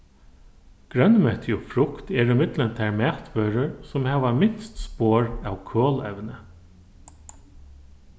grønmeti og frukt eru millum tær matvørur sum hava minst spor av kolevni